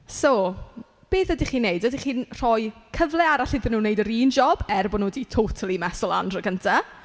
So, beth ydych chi'n wneud? Ydych chi'n rhoi cyfle arall iddyn nhw wneud yr un jòb, er bod nhw wedi totally meso lan tro cynta?